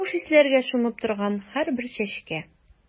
Хуш исләргә чумып торган һәрбер чәчкә.